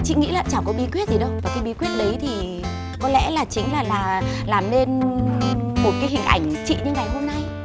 chị nghĩ là chẳng có bí quyết gì đâu và cái bí quyết đấy thì có lẽ là chính là làm nên một cái hình ảnh chị như ngày hôm